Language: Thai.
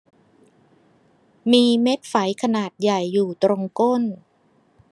มีเม็ดไฝขนาดใหญ่อยู่ตรงก้น